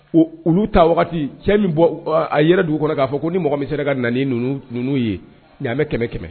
Olu ta cɛ min bɔ a yɛrɛ dugu kɔnɔ k'a fɔ ko ni mɔgɔ bɛ se ka na ninnu yeanmɛ kɛmɛ kɛmɛ